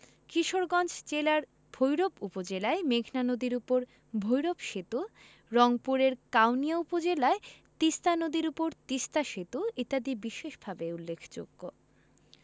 কিশোরগঞ্জ জেলার ভৈরব উপজেলায় মেঘনা নদীর উপর ভৈরব সেতু রংপুরের কাউনিয়া উপজেলায় তিস্তা নদীর উপর তিস্তা সেতু ইত্যাদি বিশেষভাবে উল্লেখযোগ্য